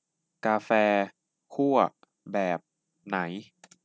กาแฟคั่วแบบไหน